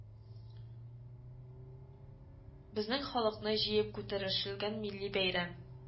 Безнең халыкны җыеп күтерешелгән милли бәйрәм